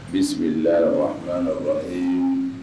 Bibi la